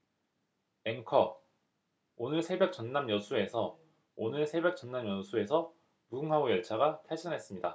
앵커 오늘 새벽 전남 여수에서 오늘 새벽 전남 여수에서 무궁화호 열차가 탈선했습니다